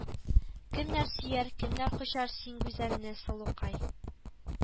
Кемнәр сөяр, кемнәр кочар Син гүзәлне, сылукай